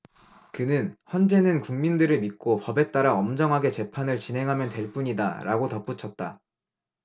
그는 헌재는 국민들을 믿고 법에 따라 엄정하게 재판을 진행하면 될 뿐이다라고 덧붙였다